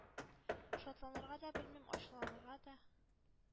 Шатланырга да белмим, ачуланырга да.